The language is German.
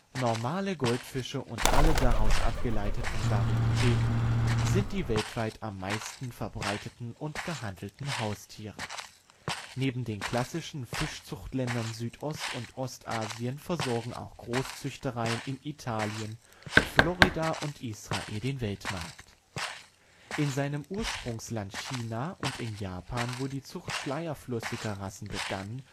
Normale Goldfische und alle daraus abgeleiteten Varietäten sind die weltweit am meisten verbreiteten und gehandelten Haustiere. Neben den klassischen Fischzuchtländern Südost - und Ostasiens versorgen auch Großzüchtereien in Italien, Florida und Israel den Weltmarkt. In seinem Ursprungsland China und in Japan, wo die Zucht schleierflossiger Rassen begann